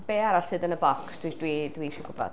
Be arall sydd yn y bocs dwi, dwi dwi isio gwbod.